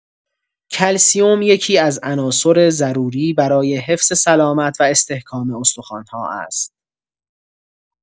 کلسیم یکی‌از عناصر ضروری برای حفظ سلامت و استحکام استخوان‌ها است.